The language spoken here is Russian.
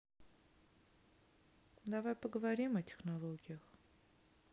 давай поговорим о технологиях